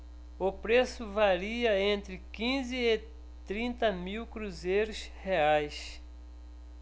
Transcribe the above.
o preço varia entre quinze e trinta mil cruzeiros reais